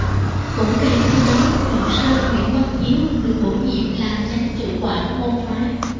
cũng kèm theo đó võ sư nguyễn văn chiếu được bổ nhiệm làm chánh chưởng quản môn phái